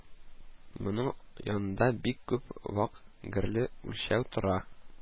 Моның янында бик күп вак герле үлчәү тора